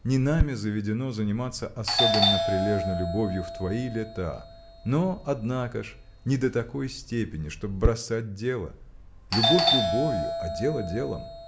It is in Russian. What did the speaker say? не нами заведено заниматься особенно прилежно любовью в твои лета но однако ж не до такой степени чтобы бросать дело любовь любовью, а дело делом.